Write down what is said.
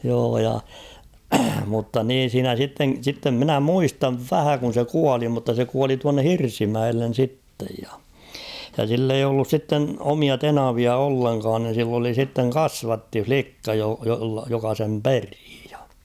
joo ja mutta niin siinä sitten sitten minä muistan vähän kun se kuoli mutta se kuoli tuonne Hirsimäelle sitten ja ja sillä ei ollut sitten omia tenavia ollenkaan niin sillä oli sitten kasvattilikka - joka sen peri ja